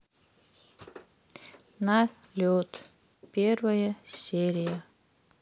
на лед первая серия